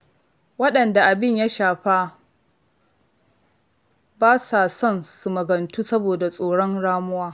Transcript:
Waɗanda abin ya shafa ba sa son su magantu saboda tsoron ramuwa.